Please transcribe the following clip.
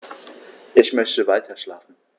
Ich möchte weiterschlafen.